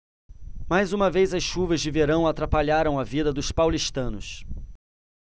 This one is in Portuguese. mais uma vez as chuvas de verão atrapalharam a vida dos paulistanos